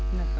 d' accord